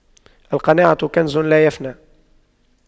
القناعة كنز لا يفنى